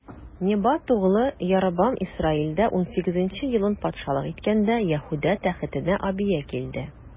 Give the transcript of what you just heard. Небат углы Яробам Исраилдә унсигезенче елын патшалык иткәндә, Яһүдә тәхетенә Абия килде.